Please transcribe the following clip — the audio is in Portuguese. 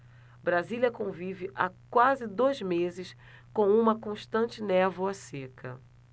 brasília convive há quase dois meses com uma constante névoa seca